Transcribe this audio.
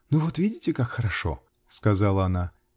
-- Ну, вот видите, как хорошо, -- сказала она.